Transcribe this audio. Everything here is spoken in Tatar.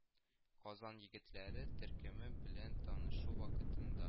Казан егетләре төркеме белән танышу вакытында